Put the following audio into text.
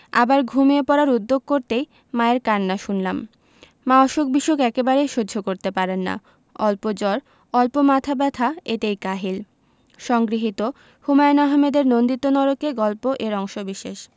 আবার ঘুমিয়ে পড়ার উদ্যোগ করতেই মায়ের কান্না শুনলাম মা অসুখ বিসুখ একেবারেই সহ্য করতে পারেন না অল্প জ্বর অল্প মাথা ব্যাথা এতেই কাহিল সংগৃহীত হুমায়ুন আহমেদের নন্দিত নরকে গল্প এর অংশবিশেষ